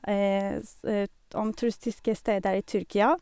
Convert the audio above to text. s Om turistiske steder i Tyrkia.